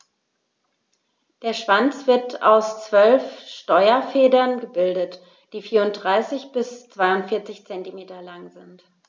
Der Schwanz wird aus 12 Steuerfedern gebildet, die 34 bis 42 cm lang sind.